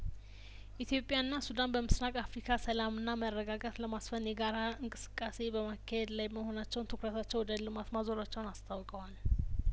ኢትዮጵያና ሱዳን በምስራቅ አፍሪካ ሰላምና መረጋጋት ለማስፈን የጋራ እንቅስቃሴ በማካሄድ ላይ መሆናቸውን ትኩረታቸውን ወደ ልማት ማዞራቸውን አስታውቀዋል